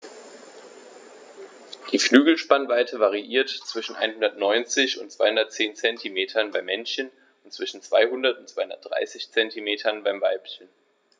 Die Flügelspannweite variiert zwischen 190 und 210 cm beim Männchen und zwischen 200 und 230 cm beim Weibchen.